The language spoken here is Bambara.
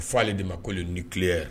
O f'ale de ma ko ni tile ye